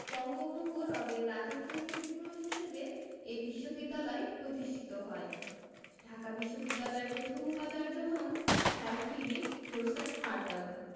বঙ্গভঙ্গ রদের রাজকীয় ক্ষতিপূরণ হিসেবে এ বিশ্ববিদ্যালয় প্রতিষ্ঠিত হয় ঢাকা বিশ্ববিদ্যালয়ের প্রথম উপাচার্য হন স্যার ফিলিপ জোসেফ হার্টগ